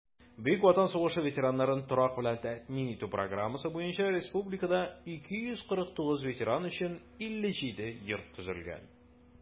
Бөек Ватан сугышы ветераннарын торак белән тәэмин итү программасы буенча республикада 249 ветеран өчен 57 йорт төзелгән.